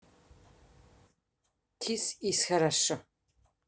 this is хорошо